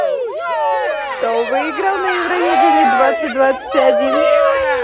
кто выиграл на евровидении двадцать двадцать один